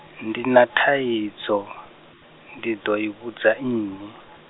ndi na thaidzo, ndi ḓo i vhudza nnyi?